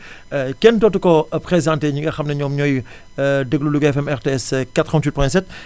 kenn dootu ko présenté ñi nga xam ne ñoom ñooy déglu Louga FM RTS 88.7